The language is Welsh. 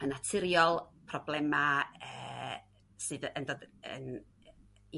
yn naturiol problema' ee sydd yn dod yn i